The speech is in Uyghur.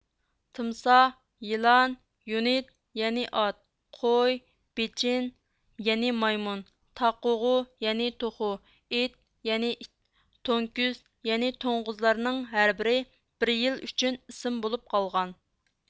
تىمساھ يىلان يۇنىد يەنى ئات قوي بېچىن يەنى مايمۇن تاقوغۇ يەنى توخۇ ئېت يەنى ئىت تونكۈز يەنى توڭغۇزلارنىڭ ھەر بىرى بىر يىل ئۈچۈن ئىسىم بولۇپ قالغان